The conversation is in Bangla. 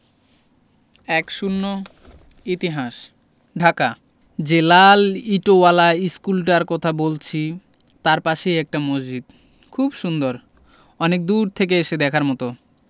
১০ ইতিহাস ঢাকা যে লাল ইটোয়ালা ইশকুলটার কথা বলছি তার পাশেই একটা মসজিদ খুব সুন্দর অনেক দূর থেকে এসে দেখার মতো